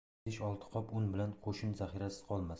besh olti qop un bilan qo'shin zaxirasiz qolmas